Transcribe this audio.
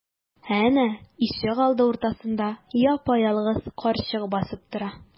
Әнә, ишегалды уртасында япа-ялгыз карчык басып тора.